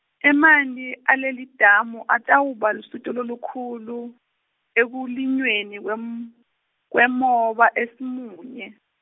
emanti, alelidamu atawuba lusito lolukhulu, ekulinyweni kwem- kwemoba eSimunye.